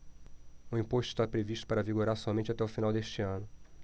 o imposto está previsto para vigorar somente até o final deste ano